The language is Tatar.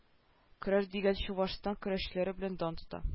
Көрәш дигән чуашстан көрәшчеләре белән дан тота